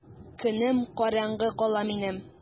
Көнем караңгы кала минем!